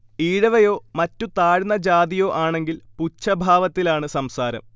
ഈഴവയോ മറ്റ് താഴ്ന്ന ജാതിയോ ആണെങ്കിൽ പുച്ഛഭാവത്തിലാണ് സംസാരം